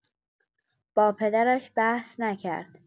با پدرش بحث نکرد.